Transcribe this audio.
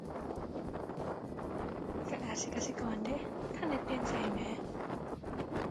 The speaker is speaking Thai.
ก็อาจสิกสิกรเดะ ทันได้เปลี่ยนใจแหม